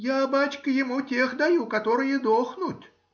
— Я, бачка, ему тех даю, которые дохнут.